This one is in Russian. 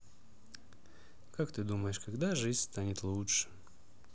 как ты думаешь когда жизнь станет лучше